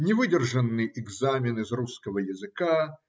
невыдержанный экзамен из русского языка